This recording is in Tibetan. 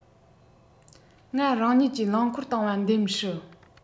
ང རང ཉིད ཀྱིས རླངས འཁོར བཏང བ འདེམས སྲིད